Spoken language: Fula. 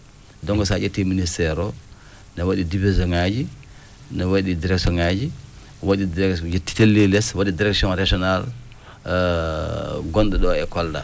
donc so a ƴettii minitére oo no waɗi division ŋaaji no waɗi direction ŋaaji waɗi dire telli lees waɗi direction régional gonɗo ɗoo e Kolda